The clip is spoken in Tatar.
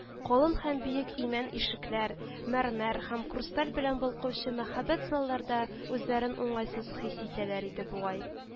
Калын һәм биек имән ишекләр, мәрмәр һәм хрусталь белән балкучы мәһабәт залларда үзләрен уңайсыз хис итәләр иде бугай